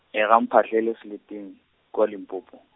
gaMphahlele Seleteng, kwa Limpopo.